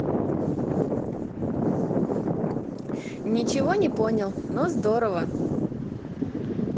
ничего не понял но здорово